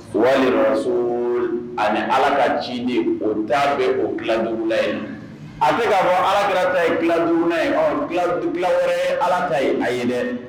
Wayɔrɔso ani ala ka ji ni ota bɛ o kilandugula ye a bɛka ka fɔ alakirata ye dilanlanduguuna yebila wɛrɛ ye ala ta ye a ye dɛ